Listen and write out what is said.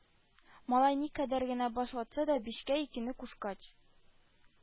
Малай никадәр генә баш ватса да, бишкә икене кушкач